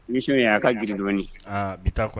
Mission in a ka grin dɔɔnin aa bi ta kɔni